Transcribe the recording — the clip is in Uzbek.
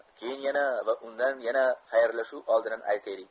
keyin yana va undan keyin yana xayrlashuv oldidan aytaylik